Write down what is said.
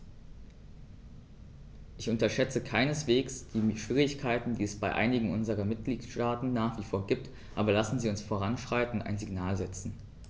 Ich unterschätze keineswegs die Schwierigkeiten, die es bei einigen unserer Mitgliedstaaten nach wie vor gibt, aber lassen Sie uns voranschreiten und ein Signal setzen.